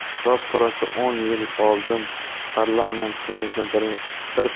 roppa rosa o'n yil oldin parlamentimizni bir